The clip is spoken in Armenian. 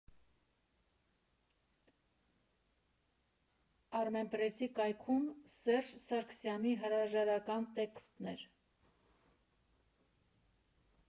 Արմենպրեսի կայքում Սերժ Սարգսյանի հրաժարականի տեքստն էր։